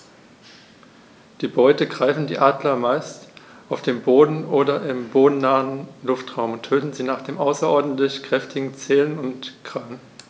Die Beute greifen die Adler meist auf dem Boden oder im bodennahen Luftraum und töten sie mit den außerordentlich kräftigen Zehen und Krallen.